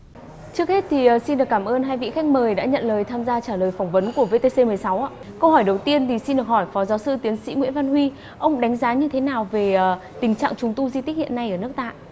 trước hết thì xin được cảm ơn hai vị khách mời đã nhận lời tham gia trả lời phỏng vấn của vê tê xê mười sáu ạ câu hỏi đầu tiên thì xin được hỏi phó giáo sư tiến sĩ nguyễn văn huy ông đánh giá như thế nào về à tình trạng trùng tu di tích hiện nay ở nước ta